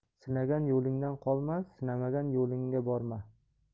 sinagan yo'lingdan qolma sinamagan yo'lingga borma